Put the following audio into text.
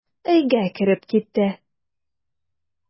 Өйгә кереп китә.